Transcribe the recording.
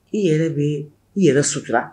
I yɛrɛ bɛ i yɛrɛ sutura